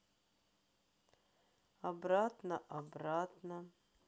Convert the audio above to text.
обратно обратно